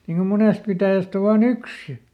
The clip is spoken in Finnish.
niin kun monesta pitäjästä on vain yksi ja